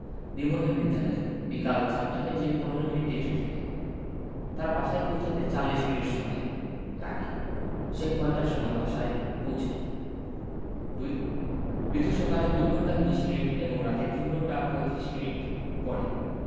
রিমনের বিদ্যালয় বিকাল ৪ টা বেজে ১৫ মিনিটে ছুটি হয় তার বাসায় পৌছাতে ৪০ মিনিট সময়লাগে সে কয়টার সময় বাসায় পৌছায় ২ রিতু সকালে ২ ঘন্টা ২০ মিনিট এবং রাতে ৩ ঘণ্টা ৩৫ মিনিট পড়ে